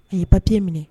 A ye papi minɛ